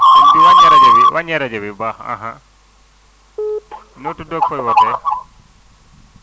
sëén bi waññil rajo bi waññil rajo bi bu baax noo tudd ak fooy wootee